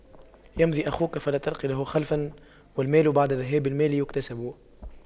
يمضي أخوك فلا تلقى له خلفا والمال بعد ذهاب المال يكتسب